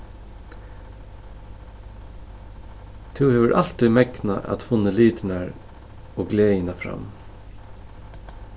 tú hevur altíð megnað at funnið litirnar og gleðina fram